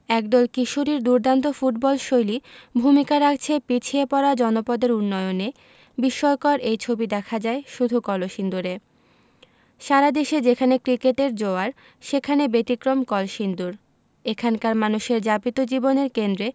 একদল কিশোরীর দুর্দান্ত ফুটবলশৈলী ভূমিকা রাখছে পিছিয়ে পড়া জনপদের উন্নয়নে বিস্ময়কর এই ছবি দেখা যায় শুধু কলসিন্দুরে সারা দেশে যেখানে ক্রিকেটের জোয়ার সেখানে ব্যতিক্রম কলসিন্দুর এখানকার মানুষের যাপিত জীবনের কেন্দ্রে